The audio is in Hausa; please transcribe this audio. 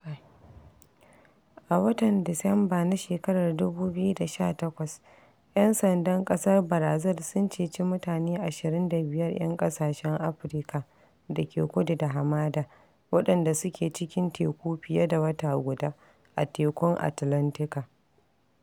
A watan Disamba na shekarar 2018, 'yan sandan ƙasar Brazil sun ceci mutane 25 'yan ƙasashen Afirka da ke kudu da hamada waɗanda "su ke cikin teku fiye da wata guda" a Tekun Atlantika.